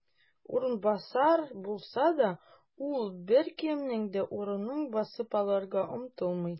"урынбасар" булса да, ул беркемнең дә урынын басып алырга омтылмый.